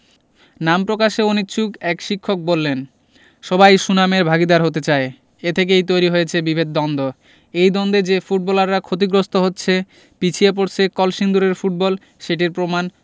নাম প্রকাশে অনিচ্ছুক এক শিক্ষক বললেন সবাই সুনামের ভাগীদার হতে চায় এ থেকেই তৈরি হয়েছে বিভেদদ্বন্দ্ব এই দ্বন্দ্বে যে ফুটবলাররা ক্ষতিগ্রস্ত হচ্ছে পিছিয়ে পড়ছে কলসিন্দুরের ফুটবল সেটির প্রমাণ